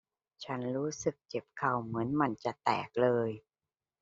ฉันรู้สึกเจ็บเข่าเหมือนมันจะแตกเลย